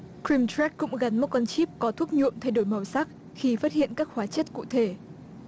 khuyên chéc cũng gắn một con chip có thuốc nhuộm thay đổi màu sắc khi phát hiện các hóa chất cụ thể